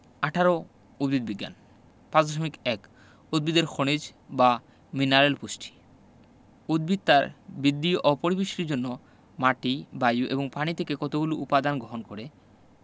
১৮ উদ্ভিদ বিজ্ঞান ৬.১ উদ্ভিদের খনিজ বা মিনারেল পুষ্টি উদ্ভিদ তার বিদ্ধি ও পরিপুষ্টির জন্য মাটি বায়ু এবং পানি থেকে কতগুলো উপদান গহণ করে